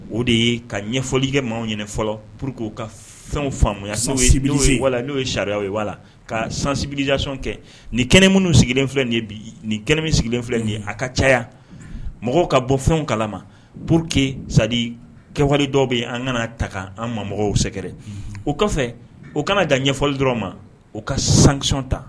O de ye ka ɲɛfɔlikɛ maaw fɔlɔ pur que ka fɛn faamuyaya san n'o ye sariya ye la ka sansinbison kɛ ni kɛnɛ minnu sigilen filɛ ni min sigilen filɛ de ye a ka caya mɔgɔw ka bɔ fɛn kalama pour que sa kɛwale dɔ bɛ yen an kana ta kan an ma mɔgɔw sɛgɛrɛ o kɔfɛ o kana dan ɲɛfɔli dɔrɔn ma u ka sansɔn ta